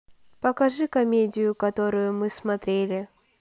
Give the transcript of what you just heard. покажи комедию которую мы смотрели